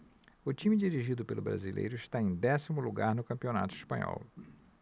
o time dirigido pelo brasileiro está em décimo lugar no campeonato espanhol